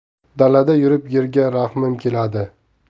dalada yurib yerga rahmim keladi